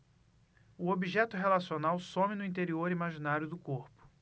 o objeto relacional some no interior imaginário do corpo